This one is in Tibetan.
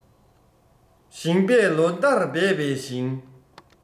ཞིང པས ལོ ཟླར འབད པའི ཞིང